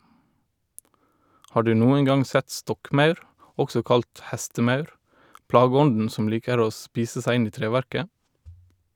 Har du noen gang sett stokkmaur, også kalt hestemaur, plageånden som liker å spise seg inn i treverket?